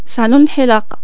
صالون الحلاقة